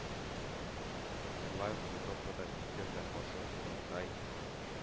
Шулай ук европада гитлерга каршы торырдай